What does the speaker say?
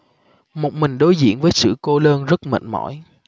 một mình đối diện với sự cô đơn rất mệt mỏi